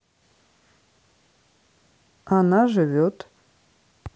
она живет